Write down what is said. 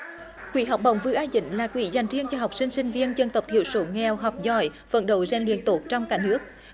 quỹ học bổng vừ a dính là quỹ dành riêng cho học sinh sinh viên dân tộc thiểu số nghèo học giỏi phấn đấu rèn luyện tốt trong cả nước